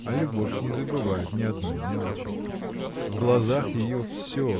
а любовь не забывает ни одной мелочи. В глазах ее все